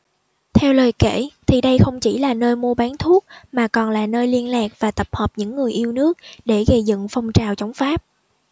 theo lời kể thì đây không chỉ là nơi mua bán thuốc mà còn là nơi liên lạc và tập hợp những người yêu nước để gầy dựng phong trào chống pháp